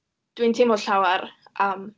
Dwi'n teimlo llawer am...